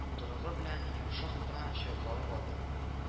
Торыгы белән йомшак кына чайкалып алды